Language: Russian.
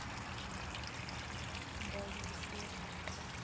газовый свет